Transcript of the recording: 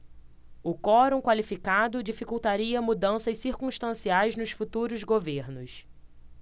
o quorum qualificado dificultaria mudanças circunstanciais nos futuros governos